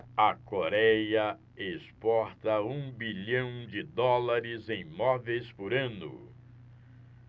a coréia exporta um bilhão de dólares em móveis por ano